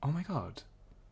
Oh my god.